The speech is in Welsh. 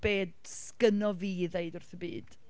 ond be sgynna fi i ddeud wrth y byd?